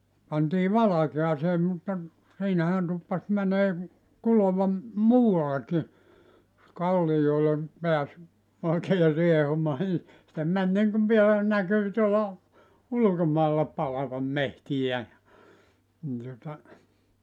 pantiin valkeaan mutta siinähän tuppasi menemään kuloa muuallekin jos kalliolle pääsi oikein riehumaan niin se meni niin kuin vielä näkyy tuolla ulkomailla palavan metsiä ja niin tuota